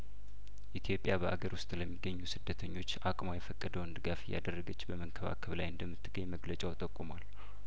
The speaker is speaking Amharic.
ኢትዮጵያ በአገር ውስጥ ለሚገኙ ስደተኞች አቅሟ የፈቀደውን ድጋፍ እያደረገች በመንከባከብ ላይ እንደምት ገኝ መግለጫው ጠቁሟል